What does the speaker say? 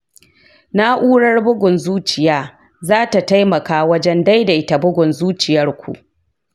na'urar bugun zuciya za ta taimaka wajen daidaita bugun zuciyar ku.